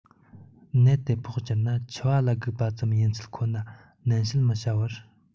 ནད དེ ཕོག གྱུར ན འཆི བ ལ སྒུག པ ཙམ ཡིན ཚུལ ཁོ ན ནན བཤད མི བྱ བར